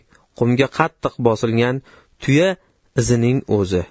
qumga qattiq bosilgan tuya izining o'zi